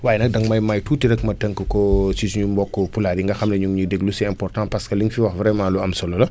waaye nag da nga may may tuuti rek ma tënk ko ci suñu mbokku pulaar yi nga xam ne énu ngi ñuy déglu c' est important parce que li nga fi wax vraiment lu am solo la